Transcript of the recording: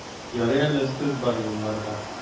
Ярый әле сез бар юлларда!